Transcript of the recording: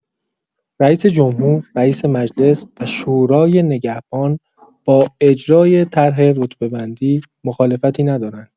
رئیس‌جمهور، رئیس مجلس و شورای نگهبان با اجرای طرح رتبه‌بندی مخالفتی ندارند.